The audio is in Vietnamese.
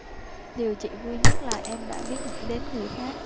điều chị vui nhất là em đã biết nghĩ đến người khác